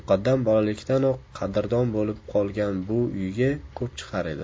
muqaddam bolalikdanoq qadrdon bo'lib qolgan bu uyga ko'p chiqar edi